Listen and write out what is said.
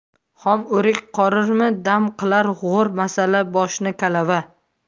xom o'rik qorirmi dam qilar g'o'r masala boshni kalava